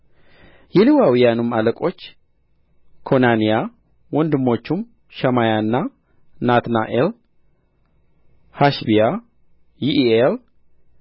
የሌዋውያኑም አለቆች ኮናንያ ወንድሞቹም ሸማያና ናትናኤል ሐሸቢያ ይዒኤል